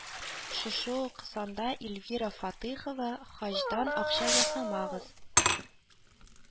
Шушы ук санда Эльвира Фатыйхова Хаҗдан акча ясамагыз